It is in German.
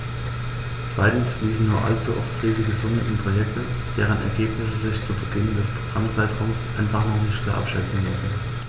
Zweitens fließen nur allzu oft riesige Summen in Projekte, deren Ergebnisse sich zu Beginn des Programmzeitraums einfach noch nicht klar abschätzen lassen.